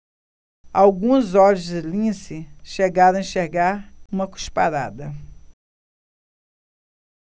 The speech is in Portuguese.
alguns olhos de lince chegaram a enxergar uma cusparada